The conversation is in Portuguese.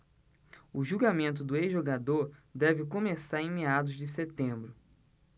o julgamento do ex-jogador deve começar em meados de setembro